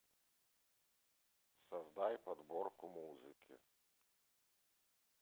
создай подборку музыки